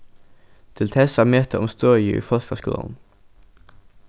til tess at meta um støðið í fólkaskúlanum